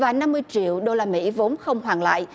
và năm mươi triệu đô la mỹ vốn không hoàn lại